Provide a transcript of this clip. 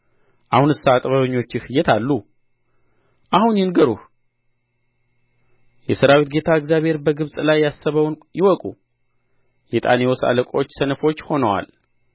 አሁንሳ ጥበበኞችህ የት አሉ አሁን ይንገሩህ የሠራዊት ጌታ እግዚአብሔር በግብጽ ላይ ያሰበውን ይወቁ የጣኔዎስ አለቆች ሰነፎች ሆነዋል